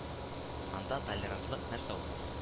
Анда Толерантлык нәрсә ул